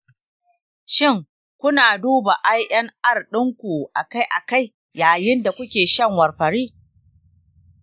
shin, kuna duba inr ɗinku akai-akai yayin da kuke shan warfarin?